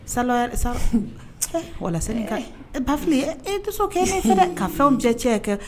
Sa sa wala bafi e tɛ k' e ka fɛnw cɛ cɛ kɛ